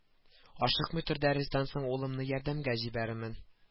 Ашыкмый тор дәрестән соң улымны ярдәмгә җибәрермен